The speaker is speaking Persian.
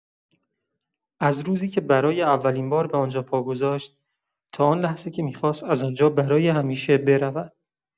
از روزی که برای اولین‌بار به آن‌جا پا گذاشت تا آن لحظه که می‌خواست از آن‌جا برای همیشه برود